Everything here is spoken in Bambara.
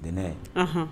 Ntɛnɛn. Ɔhɔn